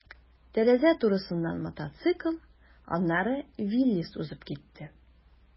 Тәрәзә турысыннан мотоцикл, аннары «Виллис» узып китте.